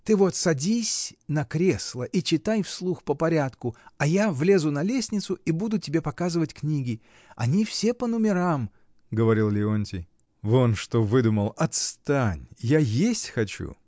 — Ты вот садись на кресло и читай вслух по порядку, а я влезу на лестницу и буду тебе показывать книги. Они все по нумерам. — говорил Леонтий. — Вон что выдумал! Отстань, я есть хочу.